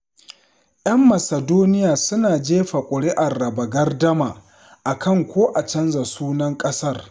‘Yan Macedonia suna jefa kuri’ar raba gardama a kan ko a canza sunan ƙasar